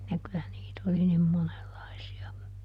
ja kyllä niitä oli niin monenlaisia